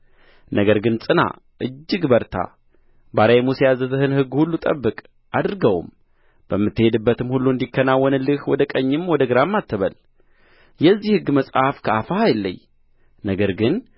ነገር ግን ጽና እጅግ በርታ ባሪያዬ ሙሴ ያዘዘህን ሕግ ሁሉ ጠብቅ አድርገውም በምትሄድበትም ሁሉ እንዲከናወንልህ ወደ ቀኝም ወደ ግራም አትበል የዚህ ሕግ መጽሐፍ ከአፍህ አይለይ ነገር ግን